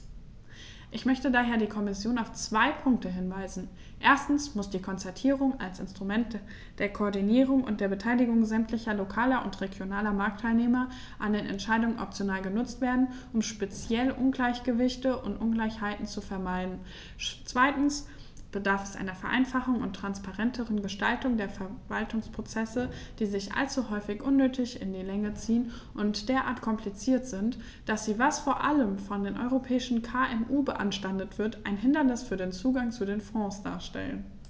Ich möchte daher die Kommission auf zwei Punkte hinweisen: Erstens muss die Konzertierung als Instrument der Koordinierung und der Beteiligung sämtlicher lokaler und regionaler Marktteilnehmer an den Entscheidungen optimal genutzt werden, um speziell Ungleichgewichte und Ungleichheiten zu vermeiden; zweitens bedarf es einer Vereinfachung und transparenteren Gestaltung der Verwaltungsprozesse, die sich allzu häufig unnötig in die Länge ziehen und derart kompliziert sind, dass sie, was vor allem von den europäischen KMU beanstandet wird, ein Hindernis für den Zugang zu den Fonds darstellen.